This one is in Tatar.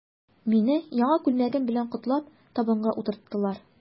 Мине, яңа күлмәгем белән котлап, табынга утырттылар.